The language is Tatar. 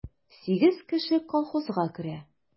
Сигез кеше колхозга керә.